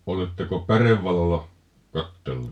oletteko pärevalolla katsellut